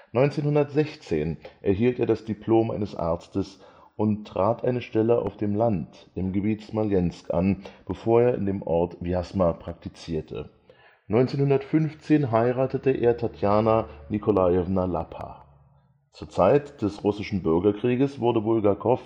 1916 erhielt er das Diplom eines Arztes und trat eine Stelle auf dem Land im Gebiet Smolensk an, bevor er in dem Ort Wjasma praktizierte. 1915 heiratete er Tatjana Nikolajewna Lappa. Zur Zeit des Russischen Bürgerkrieges wurde Bulgakow